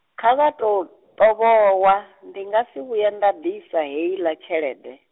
kha vha tou, ṱovhowa ndi nga si vhuya nda ḓisa hei ḽa tshelede.